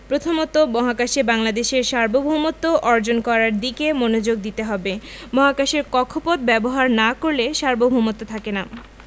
প্রথমত মহাকাশে বাংলাদেশের সার্বভৌমত্ব অর্জন করার দিকে মনোযোগ দিতে হবে মহাকাশের কক্ষপথ ব্যবহার না করলে সার্বভৌমত্ব থাকে না